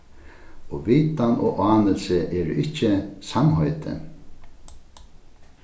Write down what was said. og vitan og ánilsi eru ikki samheiti